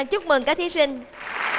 chúc mừng các thí sinh